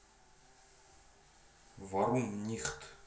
варум нихт